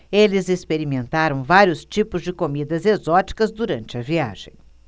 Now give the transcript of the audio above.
eles experimentaram vários tipos de comidas exóticas durante a viagem